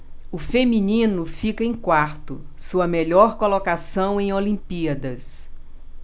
o feminino fica em quarto sua melhor colocação em olimpíadas